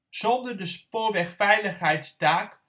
Zonder de spoorwegveiligheidstaak